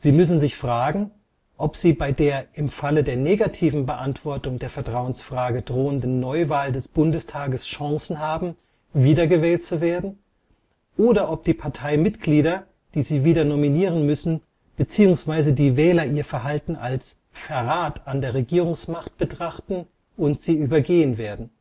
müssen sich fragen, ob sie bei der im Falle der negativen Beantwortung der Vertrauensfrage drohenden Neuwahl des Bundestages Chancen haben, wiedergewählt zu werden, oder ob die Parteimitglieder, die sie wieder nominieren müssen, beziehungsweise die Wähler ihr Verhalten als „ Verrat “an der Regierungsmacht betrachten und sie übergehen werden